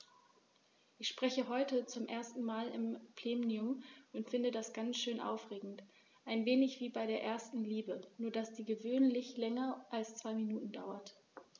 Ich spreche heute zum ersten Mal im Plenum und finde das ganz schön aufregend, ein wenig wie bei der ersten Liebe, nur dass die gewöhnlich länger als zwei Minuten dauert.